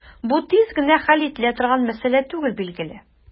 Бу тиз генә хәл ителә торган мәсьәлә түгел, билгеле.